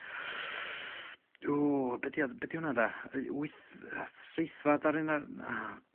ww be' 'di o be' 'di wnna de? Yy wyth yy seithfad ar un a'r na.